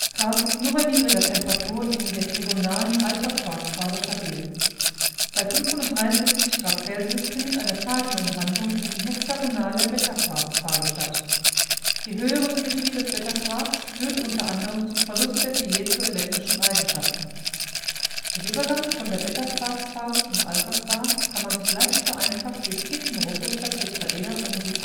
Quarz ist nur bei niedriger Temperatur in der trigonalen α-Quarz-Phase stabil. Bei 573 °C findet eine Phasenumwandlung in die hexagonale β-Quarz-Phase statt. Die höhere Symmetrie des β-Quarz führt unter anderem zum Verlust der piezoelektrischen Eigenschaften. Den Übergang von der β-Quarz Phase zum α-Quarz kann man sich leicht vereinfacht durch Kippen robuster Tetraeder um die